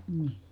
niin